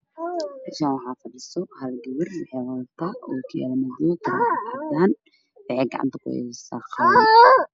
Meshan waxa fadhiya hal gabar wadat ookiyalo madow ah turaxad cafan ah waxey gacanta kuheysa qalin